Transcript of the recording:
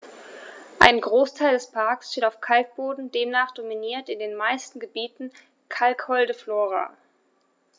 Ein Großteil des Parks steht auf Kalkboden, demnach dominiert in den meisten Gebieten kalkholde Flora.